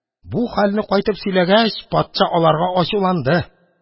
Бу хәлне кайтып сөйләгәч, патша аларга ачуланды: